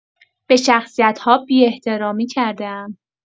به شخصیت‌ها بی‌احترامی کرده‌ام